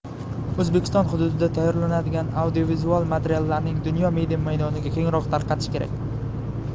o'zbekiston hududida tayyorlanadigan audiovizual materiallarning dunyo media maydoniga kengroq tarqatish kerak